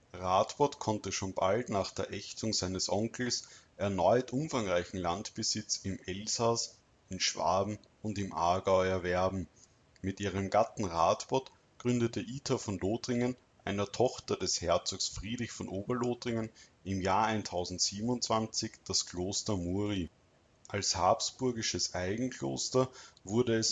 Radbot konnte schon bald nach der Ächtung seines Onkels erneut umfangreichen Landbesitz im Elsass, in Schwaben und im Aargau erwerben. Mit ihrem Gatten Radbot gründete Ita von Lothringen, eine Tochter des Herzogs Friedrich von Ober-Lothringen, im Jahr 1027 das Kloster Muri. Als habsburgisches Eigenkloster wurde